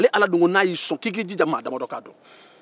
ale ala dun ko ko n'a y'i sɔn k'i k'i jija maa damadɔ k'a dun